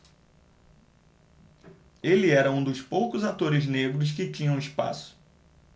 ele era um dos poucos atores negros que tinham espaço